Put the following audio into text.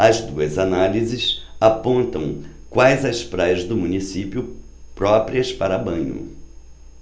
as duas análises apontam quais as praias do município próprias para banho